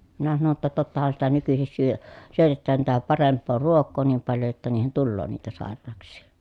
minä sanoin jotta tottahan sitä nykyisin - syötetään tätä parempaa ruokaa niin paljon jotta niihin tulee niitä sairauksia